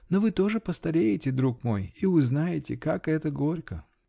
Но вы тоже постареете, друг мой, и узнаете, как это горько!